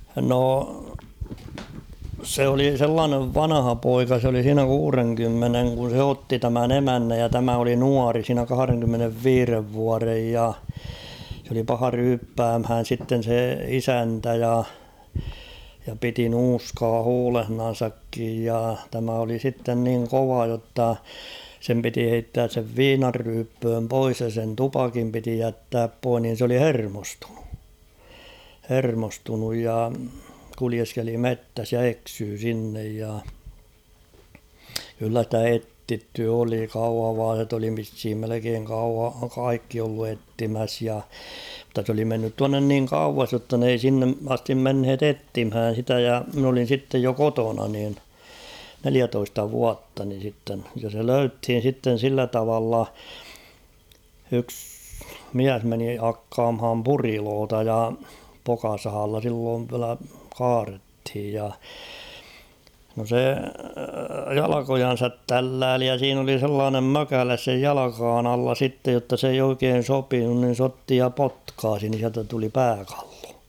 no se oli sellainen vanhapoika se oli siinä kuudenkymmenen kun se otti tämän emännän ja tämä oli nuori siinä kahdenkymmenenviiden vuoden ja se oli paha ryyppäämään sitten se isäntä ja ja piti nuuskaa huulessaankin ja tämä oli sitten niin kova jotta sen piti heittää sen viinanryyppyyn pois ja sen tupakin piti jättää pois niin se oli hermostunut hermostunut ja kuljeskeli metsässä ja eksyi sinne ja kyllä sitä etsitty oli kauhavalaiset oli vissiin melkein - kaikki ollut etsimässä ja mutta se oli mennyt tuonne niin kauas jotta ne ei sinne asti menneet etsimään sitä ja minä olin sitten jo kotona niin neljätoista vuotta niin sitten ja se löydettiin sitten sillä tavalla yksi mies meni hakkaamaan puriloita ja pokasahalla silloin vielä kaadettiin ja no se jalkojansa tälläili ja siinä oli sellainen mökäle sen jalkojen alla sitten jotta se ei oikein sopinut niin se otti ja potkaisi niin sieltä tuli pääkallo